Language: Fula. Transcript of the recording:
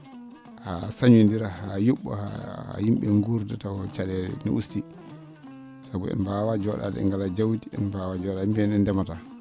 haa sañonndira haa hu??oo haa yim?e ?ee nguurda tawa ca?eele ne ustii sabu en mbaawaa joo?aade en ngalaa jawdi en mbaawaa joo?aade mbiyen en ndemataa